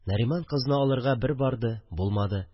Нариман кызны алырга бер барды – булмады